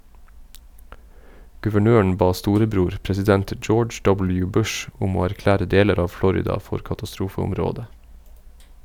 Guvernøren ba storebror, president George W. Bush, om å erklære deler av Florida for katastrofeområde.